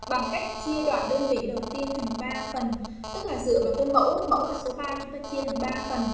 bằng cách chia đoạn đơn vị đầu tiên thành phần tức là sự là cái mẫu mẫu là số ba chúng ta chia thành ba phần